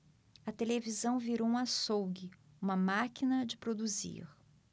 a televisão virou um açougue uma máquina de produzir